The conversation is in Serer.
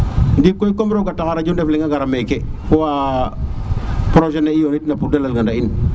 nding koy kom roga taxa wa rajo ndef leng a gara meke fo wa projet ne i yonit na pur de lal gana in